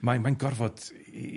Mae'n mae'n gorfod i-.